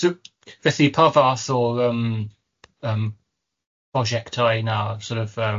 So felly, pa fath o'r yym, yym prosiectau 'na, sor' of, yym